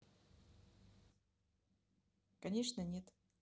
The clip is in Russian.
конечно нет